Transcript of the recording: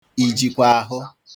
I jikwa ahụ?